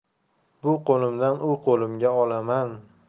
bu qo'limdan u qo'limga olaman